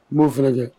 N ma f